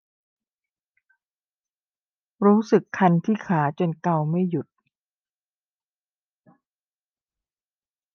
รู้สึกคันที่ขาจนเกาไม่หยุด